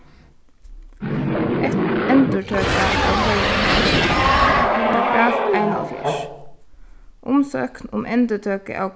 endurtøka av koyrirætti paragraff einoghálvfjerðs umsókn um endurtøku av